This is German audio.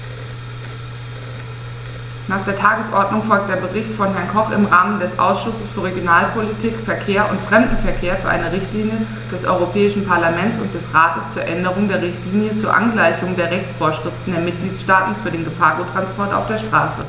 Nach der Tagesordnung folgt der Bericht von Herrn Koch im Namen des Ausschusses für Regionalpolitik, Verkehr und Fremdenverkehr für eine Richtlinie des Europäischen Parlament und des Rates zur Änderung der Richtlinie zur Angleichung der Rechtsvorschriften der Mitgliedstaaten für den Gefahrguttransport auf der Straße.